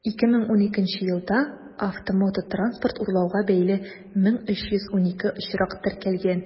2012 елда автомототранспорт урлауга бәйле 1312 очрак теркәлгән.